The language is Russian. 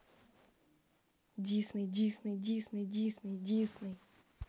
disney disney disney disney disney